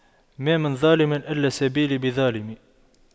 ما من ظالم إلا سيبلى بظالم